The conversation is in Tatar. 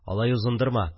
– алай узындырма